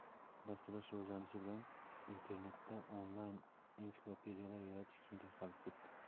dasturlash rivojlanishi bilan internetda onlayn ensiklopediyalar yaratish keng tarqalib ketdi